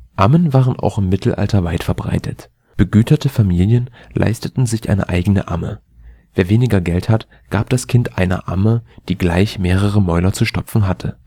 Ammen waren auch im Mittelalter weit verbreitet. Begüterte Familien leisteten sich eine eigene Amme. Wer weniger Geld hat, gab das Kleinkind einer Amme, die gleich mehrere Mäuler zu stopfen hatte